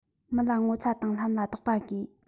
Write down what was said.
མི ལ ངོ ཚ དང ལྷམ ལ རྡོག པ དགོས